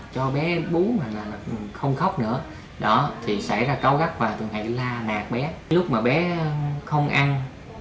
cho bé bú không khóc nữa đó thì xảy ra cáu gắt và thường hay la nạt bé lúc mà bé không ăn